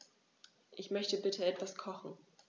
Ich möchte bitte etwas kochen.